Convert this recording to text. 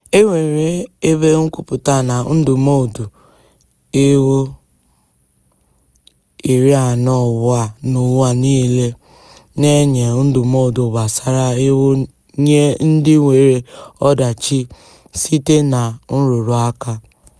E nwere Ebe Nkwụpụta na Ndụmọdụ Iwu 40 ugbu a n'ụwa nile na-enye ndụmọdụ gbasara iwu nye ndị nwere ọdachị site na nrụrụ aka.